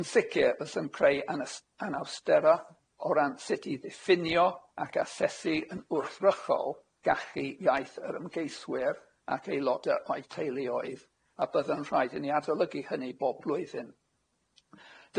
Yn sicir bysa'n creu anys- anhawstera o ran sut i ddiffinio ac asesu yn wrthrychol gallu iaith yr ymgeiswyr ac aelodau o'u teuluoedd a bydda'n rhaid i ni adolygu hynny bob blwyddyn.